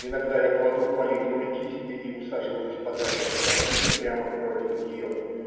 Иногда я кладу палитру и кисти и усаживаюсь подальше от картины, прямо против нее.